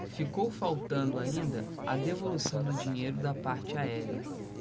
ficou faltando ainda a devolução do dinheiro da parte aérea